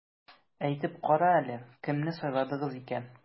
Әйтеп кара әле, кемне сайладыгыз икән?